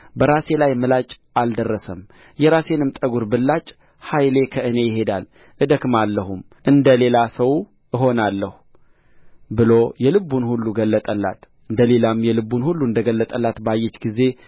በራሴ ላይ ምላጭ አልደረሰም የራሴንም ጠጕር ብላጭ ኃይሌ ከእኔ ይሄዳል እደክማለሁም እንደ ሌላም ሰው እሆናለሁ ብሎ የልቡን ሁሉ ገለጠላት ደሊላም የልቡን ሁሉ እንደ ገለጠላት ባየች ጊዜ